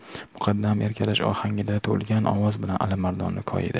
muqaddam erkalash ohangiga to'lgan ovoz bilan alimardonni koyidi